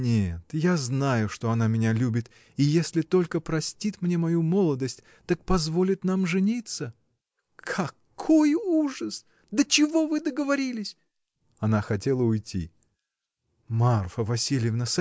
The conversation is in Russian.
— Нет, я знаю, что она меня любит — и если только простит мне мою молодость, так позволит нам жениться!. — Какой ужас! До чего вы договорились! Она хотела уйти. — Марфа Васильевна!